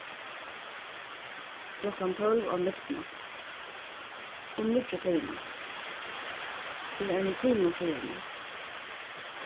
klokkan tólv á midnátt um níggjutíðina fyri einum tíma síðani